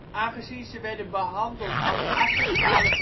Aangezien ze werden behandeld als asociale